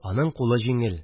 Аның кулы җиңел